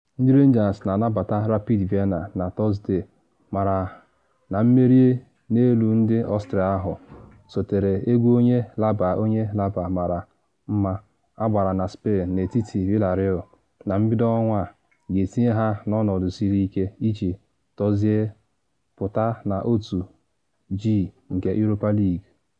Ndị Rangers na anabata Rapid Vienna na Tọsde, mara na mmeri n’elu ndị Austria ahụ, sotere egwu onye laba onye laba mara mma agbara na Spain n’etiti Villareal na mbido ọnwa a, ga-etinye ha n’ọnọdụ siri ike iji tozue pụta na Otu G nke Europa League.